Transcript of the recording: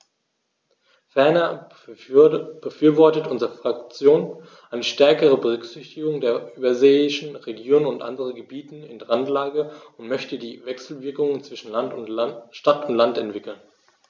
Ferner befürwortet unsere Fraktion eine stärkere Berücksichtigung der überseeischen Regionen und anderen Gebieten in Randlage und möchte die Wechselwirkungen zwischen Stadt und Land entwickeln.